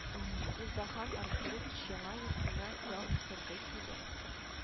Мирзахан артурович яңа йортына ял итәргә килә